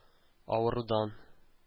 Авырудан